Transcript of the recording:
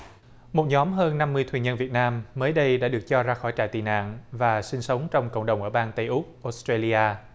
một nhóm hơn năm mươi thuyền nhân việt nam mới đây đã được cho ra khỏi trại tị nạn và sinh sống trong cộng đồng ở bang tây úc ốt trây li a